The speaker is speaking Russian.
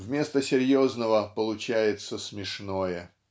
вместо серьезного получается смешное.